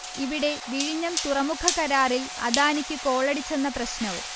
ഇവിടെ വിഴിഞ്ഞം തുറമുഖക്കരാറിൽ അദാനിക്ക് കോളടിച്ചെന്ന പ്രശ്നവും